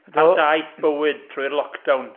Ar daith bywyd trwy'r lockdown.